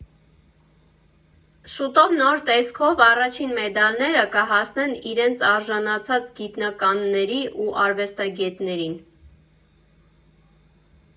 Շուտով նոր տեսքով առաջին մեդալները կհասնեն իրենց արժանացած գիտնականների ու արվեստագետներին։